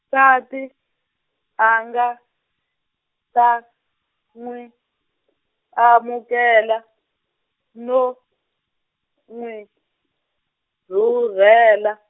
nsati, a nga, ta, n'wi , amukela, no, n'wi, rhurhela.